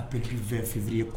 Apiki2 firi ye kɔnɔ